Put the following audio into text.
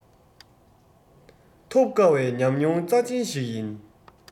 ཐོབ དཀའ བའི ཉམས མྱོང རྩ ཆེན ཞིག ཡིན